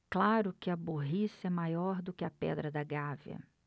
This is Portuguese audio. claro que a burrice é maior do que a pedra da gávea